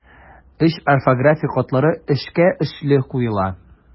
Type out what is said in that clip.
Өч орфографик хаталы эшкә өчле куела.